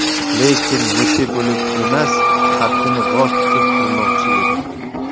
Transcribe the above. lekin mute bo'lib emas qaddini g'oz tutib kirmoqchi edi